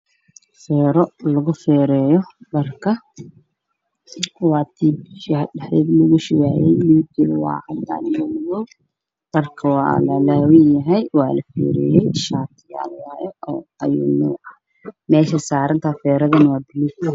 Feero lagu feereeyo dharka waa tii biyaha dhex deeda lagu shubaayay midabkeeda waa cadaan iyo madow dharka waa laalaaban yahay waa la feereeyay shaatiyaal waaye oo ayu nuuc ah meeshay saaran tahayna feerada baluug.